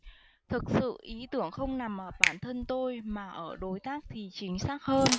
thực sự ý tưởng không nằm ở bản thân tôi mà ở đối tác thì chính xác hơn